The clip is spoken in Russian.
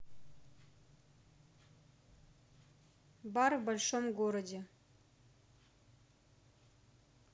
бар в большом городе